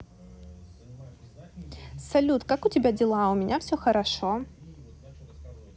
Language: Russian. салют как у тебя дела у меня все хорошо